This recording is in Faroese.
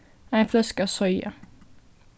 ein fløska av soya